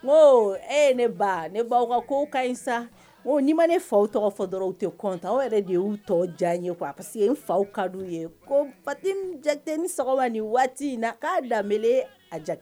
Ko e ne ba ne ko ka ɲi sa ni ma ne faw tɔgɔ fɔ dɔrɔn tɛ kɔntan o yɛrɛ de y'u tɔ diya n ye ko a parce queseke n faw ka di ye ko batte ni ni waati in na k'a danbeb a ja